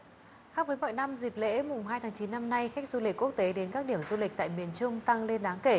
khác với mọi năm dịp lễ mùng hai tháng chín năm nay khách du lịch quốc tế đến các điểm du lịch tại miền trung tăng lên đáng kể